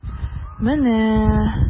Менә...